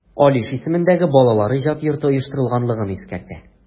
Алиш исемендәге Балалар иҗаты йорты оештырганлыгын искәртә.